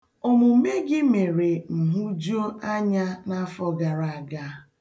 Omume gị mere m hụjuo anya n'afọ gara aga.